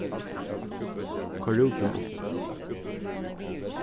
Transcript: koyr rútin upp